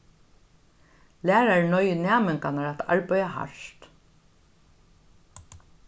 lærarin noyðir næmingarnar at arbeiða hart